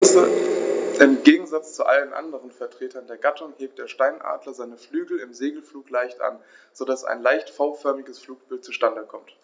Im Gegensatz zu allen anderen Vertretern der Gattung hebt der Steinadler seine Flügel im Segelflug leicht an, so dass ein leicht V-förmiges Flugbild zustande kommt.